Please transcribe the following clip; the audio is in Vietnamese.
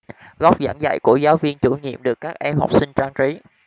góc giảng dạy của giáo viên chủ nhiệm được các em học sinh trang trí